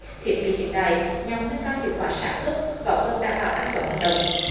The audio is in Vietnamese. thiết bị hiện đại nhằm nâng cao hiệu quả sản xuất góp phần đảm bảo an toàn lao động